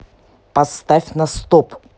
поставь на стоп